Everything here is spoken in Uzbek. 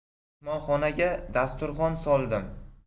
mehmonxonaga dasturxon soldim